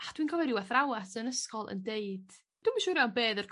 a dwi'n cofio ryw athrawes yn ysgol yn deud dwi'm yn siŵr iawn be' odd yr